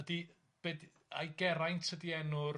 Ydy be- ai Geraint ydy enw'r